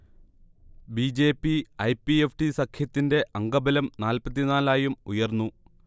B. J. P. - I. P. FT. സഖ്യത്തിന്റെ അംഗബലം നാൽപത്തി നാല് ആയും ഉയർന്നു